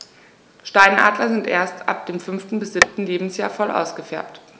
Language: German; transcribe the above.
Steinadler sind erst ab dem 5. bis 7. Lebensjahr voll ausgefärbt.